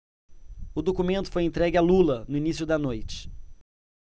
o documento foi entregue a lula no início da noite